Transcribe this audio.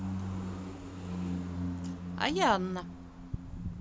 а я анна